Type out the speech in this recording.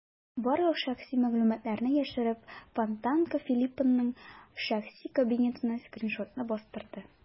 Барлык шәхси мәгълүматларны яшереп, "Фонтанка" Филипповның шәхси кабинетыннан скриншотны бастырды.